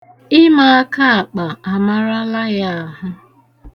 Ịma akaakpa amarala ya ahụ.